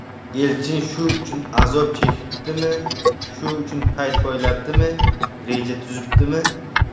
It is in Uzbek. elchin shu uchun azob chekibdimi shu uchun payt poylabdimi reja tuzibdimi